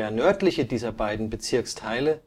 nördliche dieser beiden Bezirksteile